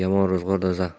yomon ro'zg'or do'zax